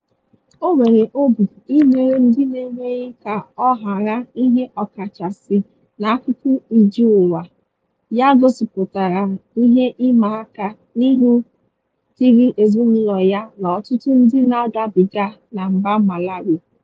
O nwere obi i meere ndị n'enweghi ka ọ haara ihe ọkachasị na akụkọ ije ụwa ya gosipụtara ihe ịma aka n'ihu dịrị ezinaụlọ ya na ọtụtụ ndị na-agabiga na mba Malawi.